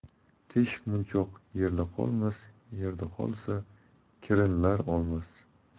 teshik munchoq yerda qolmas yerda qolsa kirnlar olmas